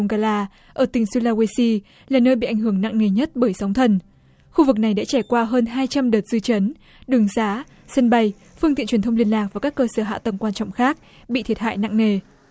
ga la ở tỉnh su la qua si là nơi bị ảnh hưởng nặng nề nhất bởi sóng thần khu vực này đã trải qua hơn hai trăm đợt dư chấn đường sá sân bay phương tiện truyền thông liên lạc và các cơ sở hạ tầng quan trọng khác bị thiệt hại nặng nề